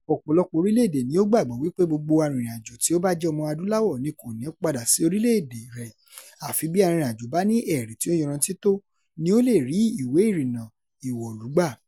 Ọ̀pọ̀lọpọ̀ orílẹ̀-èdè ni ó nígbàgbọ́ wípé gbogbo arìnrìnàjò tí ó bá jẹ́ Ọmọ-adúláwọ̀ ni kò ní padà sí orílẹ̀-èdèe rẹ̀, àfi bí arìnrìnàjó bá ní ẹ̀rí tí ó yanrantí tó ni ó lè rí ìwé ìrìnnà ìwọ̀lú gbà.